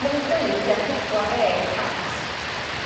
ma' nw'n deud tua pedwar deg y cant.